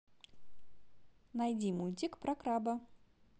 найди мультик про краба